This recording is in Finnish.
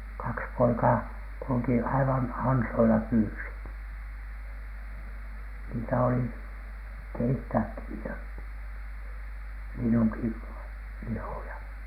kaksi poikaa kulki aivan ansoilla pyysivät niitä oli keittääkin niitä linnunkin lihoja